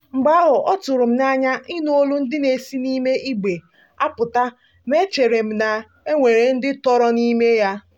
Mgbe ahụ, ọ tụrụ m n'anya ịnụ olu ndị na-esi n'ime "igbe" a apụta ma echere m na e nwere ndị tọrọ n'ime ya.